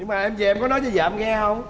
nhưng mà em dề em có nói cho vợ em nghe hông